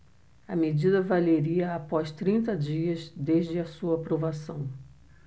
a medida valeria após trinta dias desde a sua aprovação